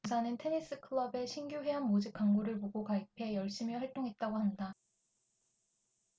태 공사는 테니스 클럽의 신규 회원 모집 광고를 보고 가입해 열심히 활동했다고 한다